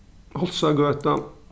hálsagøta